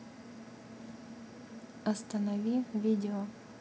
останови видео